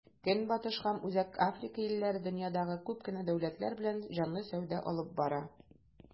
Көнбатыш һәм Үзәк Африка илләре дөньядагы күп кенә дәүләтләр белән җанлы сәүдә алып бара.